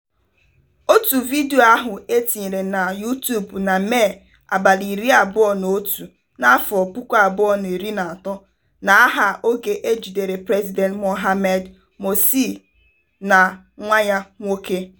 Otu vidiyo ahụ e tinyere na YouTube na Mee 21, 2013 n'aha "Oge e jidere President Mohamed Morsi na nwa ya nwoke."